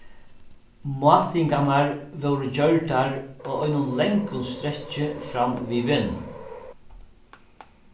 mátingarnar vórðu gjørdar á einum langum strekki fram við vegnum